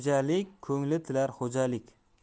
ko'ngli tilar xo'jalik